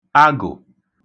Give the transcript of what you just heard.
agụ̀